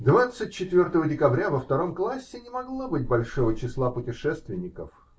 Двадцать четвертого декабря во втором классе не могло быть большого числа путешественников.